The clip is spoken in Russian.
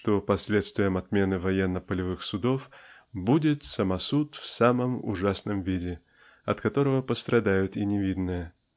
что последствием отмены военно-полевых судов "будет самосуд в самом ужасном виде" от которого пострадают и невинные.